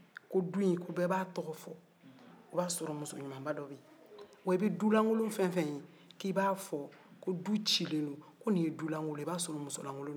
wa i bɛ du lankolon fɛn o fɛn ye k'i b'a fɔ du cilen don ko n'i ye du lankolon dɔ ye i b'a sɔrɔ muso lankolon dɔ de bɛ yen